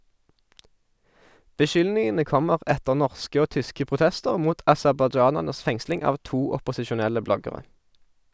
Beskyldningene kommer etter norske og tyske protester mot aserbajdsjanernes fengsling av to opposisjonelle bloggere.